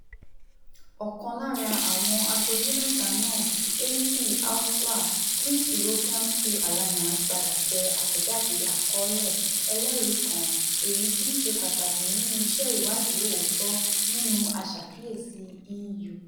Ọkàn lára àwọn aṣojú mẹ́ta náà, Heidi Hautala (Greens-European-Free Alliance), padà tẹ àtẹ̀jáde àkọ́ọ́lẹ̀ ẹlẹ́rìí kan èyí tí í ṣe pàtàkì nínú iṣẹ́ ìwádìí òótọ́ nínú Aṣàkíyèsí EU